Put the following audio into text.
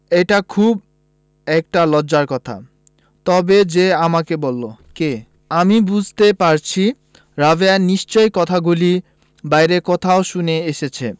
এটা খুব একটা লজ্জার কথা তবে যে ও আমাকে বললো কে আমি বুঝতে পারছি রাবেয়া নিশ্চয়ই কথাগুলি বাইরে কোথাও শুনে এসেছে